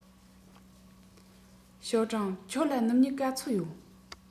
ཞའོ ཀྲང ཁྱོད ལ སྣུམ སྨྱུག ག ཚོད ཡོད